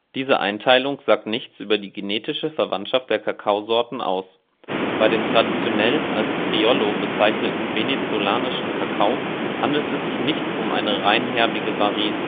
Diese Einteilung sagt nichts über die genetische Verwandtschaft der Kakaosorten aus. Bei dem traditionell als Criollo bezeichneten venezolanischen Kakao handelt es sich nicht um eine reinerbige Varietät